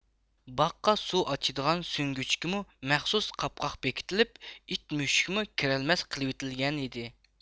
باغقا سۇ ئاچىدىغان سۈڭگۈچكىمۇ مەخسۇس قاپقاق بېكىتىلىپ ئىت مۈشۈكمۇ كىرەلمەس قىلىۋېتىلگەنىدى